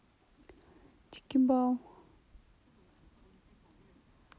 тикибау